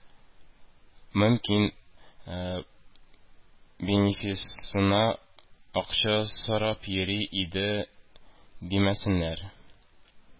Мөмкин, бенефисына акча соранып йөри иде димәсеннәр